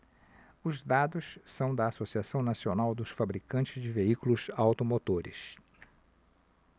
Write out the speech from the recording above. os dados são da anfavea associação nacional dos fabricantes de veículos automotores